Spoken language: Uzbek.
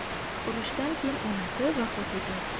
urushdan keyin onasi vafot etadi